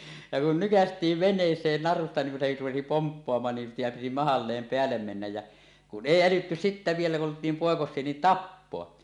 ja kun nykäistiin veneeseen narusta niin kun se rupesi pomppaamaan niin pian piti mahalleen päälle mennä ja kun ei älytty sitten vielä kun oltiin poikasia niin tappaa